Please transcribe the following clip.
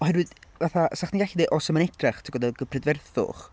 Oherwydd, fatha... 'sech chdi'n gallu deud "oo sut mae'n edrych timod? Prydferthwch."